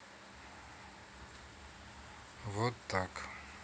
вот как